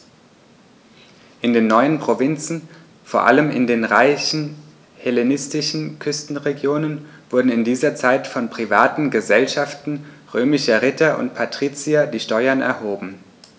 In den neuen Provinzen, vor allem in den reichen hellenistischen Küstenregionen, wurden in dieser Zeit von privaten „Gesellschaften“ römischer Ritter und Patrizier die Steuern erhoben.